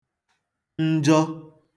njọ